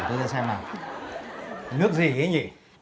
để tôi ra xem nào nước gì ý nhỉ